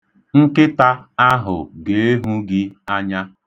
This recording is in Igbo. Nkịta ahụ ga-ehu gị anya.